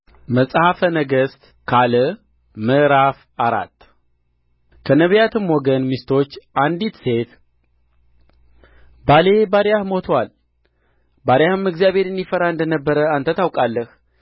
በእስራኤልም ዘንድ ታላቅ ቍጣ ሆነ ከዚያም ርቀው ወደ ምድራቸው ተመለሱ